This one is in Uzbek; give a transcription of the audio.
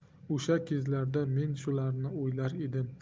o'sha kezlarda men shularni o'ylar edim